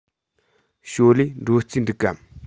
ཞའོ ལིའི འགྲོ རྩིས འདུག གམ